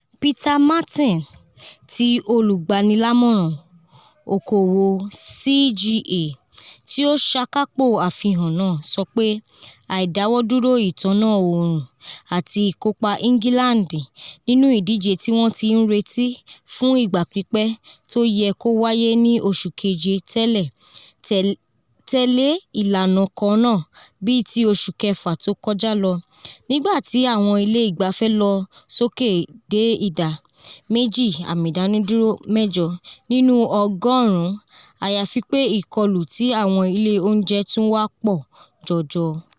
Peter Martin, tí Olùgbanilámọ̀ràn okòwò CGA, tí ó ṣàkópọ̀ àfihàn náà, sọ pé: "Àídáwọ́dúró ìtàná òórùn àti ìkópa England nínú ìdíje tí wọ́n ti ń retí fún ìgbà pípẹ́ tó yẹ kó wáyé ní oṣù kejè tẹ̀lé ìlànà kanáà bíì ti oṣù kẹfà tó kọjá lọ, nígbà tí àwọn ilé ìgbafẹ́ lọ sókè dé ìda 2.8 nínú ọgọ́ọ̀rún, àyàfi pé ìkọlù ti àwọn ilé óùnjẹ tún wá pọ̀ jọjọ.